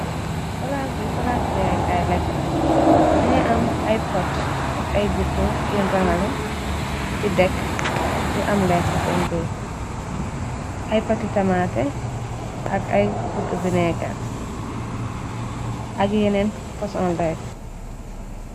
Palaas bi palaas i jaayékaay lekka , ni nga am aipot ak ay guutu yu nrangale ci dekk yu am lekk seyn biir, ay potti tamaaté ak ay gutu bi néegaar ak yeneen pasonl lekka.